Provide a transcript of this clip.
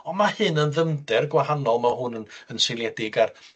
On' ma' hyn yn ddyfnder gwahanol ma' hwn yn yn seiliedig ar